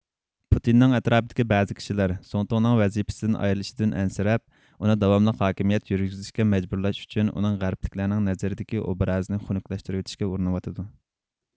پۇتىننىڭ ئەتراپىدىكى بەزى كىشىلەر زۇڭتۇڭنىڭ ۋەزىپىسىدىن ئايرىلىشىدىن ئەنسىرەپ ئۇنى داۋاملىق ھاكىمىيەت يۈرگۈزۈشكە مەجبۇرلاش ئۈچۈن ئۇنىڭ غەربلىكلەرنىڭ نەزىرىدىكى ئوبرازىنى خۈنۈكلەشتۈرۈۋېتىشكە ئۇرۇنۇۋاتىدۇ